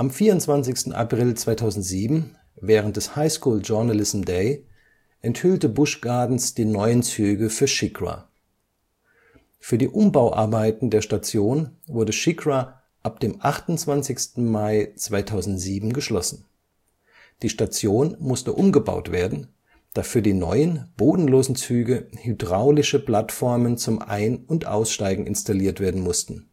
24. April 2007, während des High School Journalism Day, enthüllte Busch Gardens die neuen Züge für SheiKra. Für die Umbauarbeiten der Station wurde SheiKra ab dem 28. Mai 2007 geschlossen. Die Station musste umgebaut werden, da für die neuen bodenlosen Züge hydraulische Plattformen zum Ein - und Aussteigen installiert werden mussten